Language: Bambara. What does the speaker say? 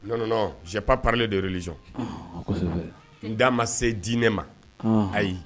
N zp parare deson n da ma se diinɛ ma ayi